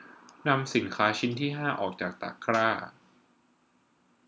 นำสินค้าชิ้นที่ห้าออกจากตะกร้า